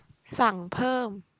สั่งเพิ่ม